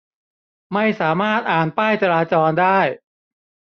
ไม่สามารถอ่านป้ายจราจรได้